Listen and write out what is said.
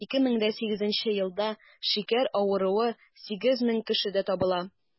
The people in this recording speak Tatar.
2008 елда шикәр авыруы 8 мең кешедә табыла.